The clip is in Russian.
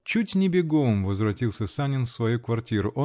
Чуть не бегом возвратился Санин в свою квартиру.